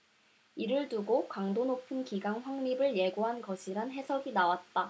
이를 두고 강도 높은 기강 확립을 예고한 것이란 해석이 나왔다